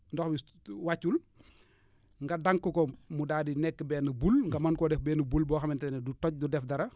ndox bi wàccul nga dànk ko mu daal di nekk benn boule nga mën koo def benne boule boo xamante ne du toj du def dara